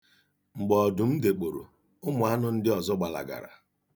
Mgbe ọdụm dekporo, ụmụ anụ ndị ọzọ gbalagara.